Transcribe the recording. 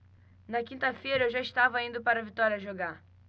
na quinta-feira eu já estava indo para vitória jogar